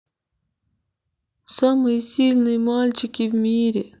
самые сильные мальчики в мире